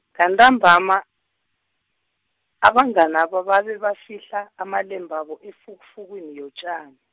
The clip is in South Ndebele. ngantambama, abanganaba babe bafihla, amalembabo efukufukwini yotjani.